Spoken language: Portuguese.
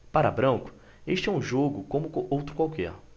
para branco este é um jogo como outro qualquer